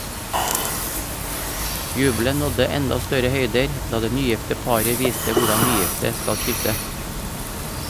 Jubelen nådde enda større høyder da det nygifte paret viste hvordan nygifte skal kysse.